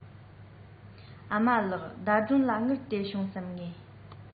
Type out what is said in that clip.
ཨ མ ལགས ཟླ སྒྲོན ལ དངུལ དེ བྱུང སོང ངས